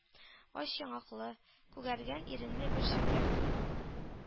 Ач яңаклы, күгәргән иренле бер шәкерт